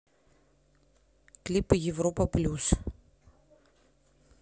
клипы европа плюс